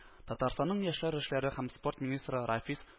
Татарстанның яшьләр эшләре һәм спорт министры Рафис